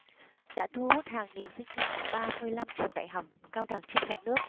đã thu hút hàng nghìn sinh viên của ba mươi lăm trường đại học cao đẳng trên cả nước